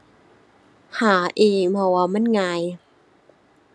หาเอง เพราะว่ามันง่าย